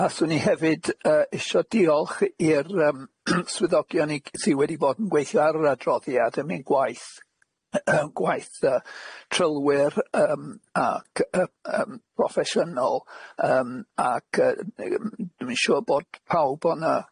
A 'swn i hefyd yy iso diolch i'r yym swyddogion i g- sy wedi bod yn gweithio ar yr adroddiad yn neud gwaith gwaith yy trylwyr yym ac yy yym proffesiynol yym ac yy n- n- dwi'n siŵr bod pawb yn yy